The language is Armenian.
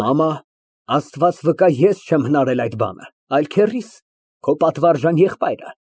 Մամա, Աստված վկա, ես չեմ հնարել այդ բանը, այլ քեռիս, քո պատվարժան եղբայրը։